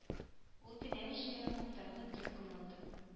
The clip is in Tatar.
Ул теләмичә генә куптарылып трубканы алды